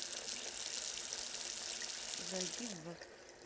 зайди в